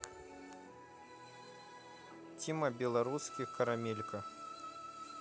тима белорусских карамелька